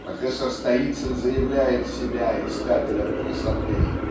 Профессор Сторицын заявляет себя искателем красоты